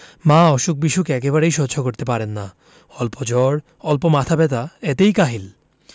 মা অসুখ বিসুখ একেবারেই সহ্য করতে পারেন না অল্প জ্বর অল্প মাথা ব্যাথা এতেই কাহিল